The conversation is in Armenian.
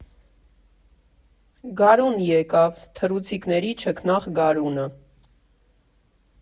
Գարուն եկավ՝ թռուցիկների չքնաղ գարունը։